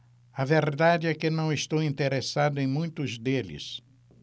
a verdade é que não estou interessado em muitos deles